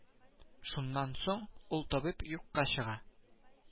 Шуннан соң ул табиб юкка чыга